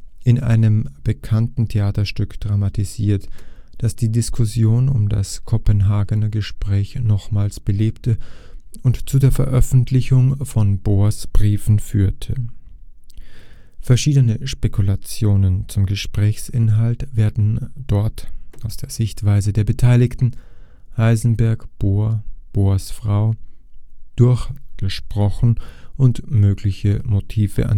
in einem bekannten Theaterstück dramatisiert, das die Diskussion um das Kopenhagener Gespräch nochmals belebte und zu der Veröffentlichung von Bohrs Briefen führte. Verschiedene Spekulationen zum Gesprächsinhalt werden dort aus der Sichtweise der Beteiligten (Heisenberg, Bohr, Bohrs Frau) durchgesprochen und mögliche Motive